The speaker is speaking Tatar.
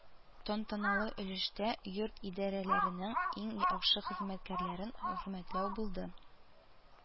Тантаналы өлештә йорт идарәләренең иң яхшы хезмәткәрләрен хөрмәтләү булды